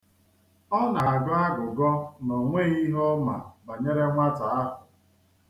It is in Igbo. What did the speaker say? Ọ na-agọ agụgọ na o nweghị ihe ọ ma banyere nwata ahụ.